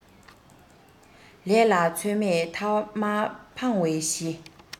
ལས ལ ཚོད མེད ཐ མ ཕང བའི གཞི